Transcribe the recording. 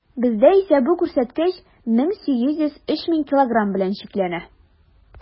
Бездә исә бу күрсәткеч 1800 - 3000 килограмм белән чикләнә.